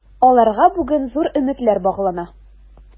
Аларга бүген зур өметләр баглана.